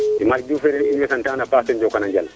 imam Diouf fene in way sant an a paax to jokana njal